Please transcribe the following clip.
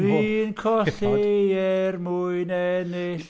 Dwi'n colli er mwyn ennill.